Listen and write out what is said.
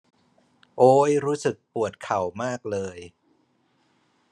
โอ้ยรู้สึกปวดเข่ามากเลย